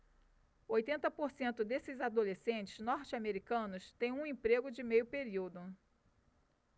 oitenta por cento desses adolescentes norte-americanos têm um emprego de meio período